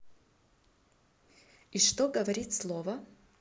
и что говорит слово